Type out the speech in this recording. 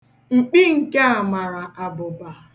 Mkpi nkaa mara abụba.